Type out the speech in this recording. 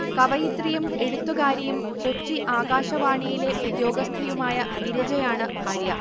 കവിയിത്രിയും എഴുത്തുകാരിയും കൊച്ചി ആകാശവാണിയിലെ ഉദ്യോഗസ്ഥയുമായ ഗിരിജയാണ് ഭാര്യ